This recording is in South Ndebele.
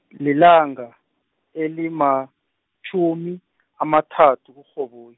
lilanga, elimatjhumi amathathu kuRhoboyi.